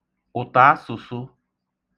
ụ̀tàasụ̀sụ